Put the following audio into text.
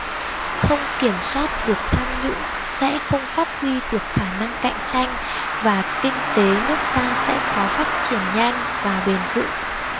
không kiểm soát được tham nhũng sẽ không phát huy được khả năng cạnh tranh và kinh tế nước ta sẽ khó phát triển nhanh và bền vững